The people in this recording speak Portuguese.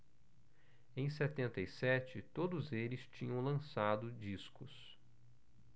em setenta e sete todos eles tinham lançado discos